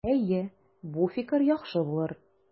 Әйе, бу фикер яхшы булыр.